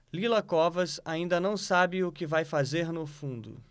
lila covas ainda não sabe o que vai fazer no fundo